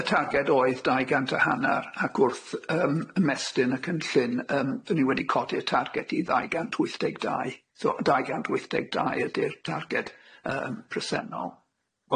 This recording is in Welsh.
Yy y targed oedd dau gant a hannar ac wrth yym ymestyn y cynllun yym 'dyn ni wedi codi'r targed i ddau gant wyth deg dau so dau gant wyth deg dau ydi'r targed yym presennol.